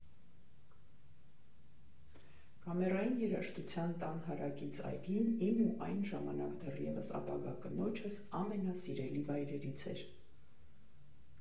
Կամերային երաժշտության տան հարակից այգին իմ ու այն ժամանակ դեռևս ապագա կնոջս ամենասիրելի վայրերից էր։